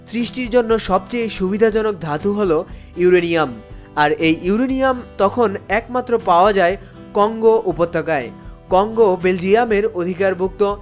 সৃষ্টির জন্য সবচেয়ে সুবিধাজনক ধাতু হলো ইউরেনিয়াম আর এই ইউরেনিয়াম তখন একমাত্র পাওয়া যায় কঙ্গো উপত্যকায় কঙ্গো ও বেলজিয়ামের অধিকারভুক্ত